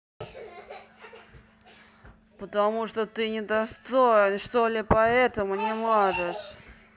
потому что ты недостоин что ли поэтому не можешь